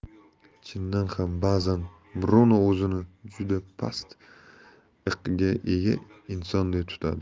chindan ham ba'zan bruno o'zini juda past iq'ga ega insonday tutadi